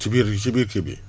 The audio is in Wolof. ci biir ci biir kii bi